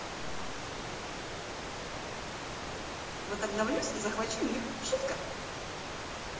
вот обновлюсь и захвачу мир шутка